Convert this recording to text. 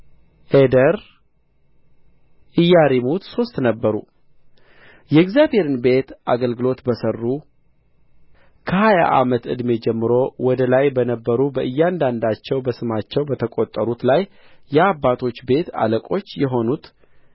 ዔደር ኢያሪሙት ሦስት ነበሩ የእግዚአብሔርን ቤት አገልግሎት በሠሩ ከሀያ ዓመት ዕድሜ ጀምሮ ወደ ላይ በነበሩ በእያንዳንዳቸው በስማቸው በተቆጠሩት ላይ የአባቶች ቤት አለቆች የሆኑት